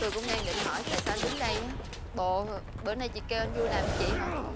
tui cũng đang định hỏi tại sao anh đứng đây á bộ bữa nay chị kêu anh dui làm cho chị ấy hả